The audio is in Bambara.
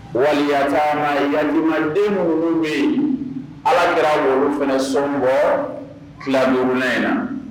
wal yataama yatiimɛden minnu bɛ alakira b'olu fana sɔn bɔ tila 5 nan in na.